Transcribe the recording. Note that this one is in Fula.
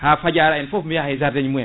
ha Fadiara en foof mi yahay jardin ji mumen